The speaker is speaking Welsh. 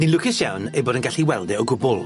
Ni'n lwcus iawn ein bod yn gallu weld e o gwbwl.